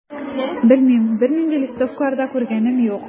Белмим, бернинди листовкалар да күргәнем юк.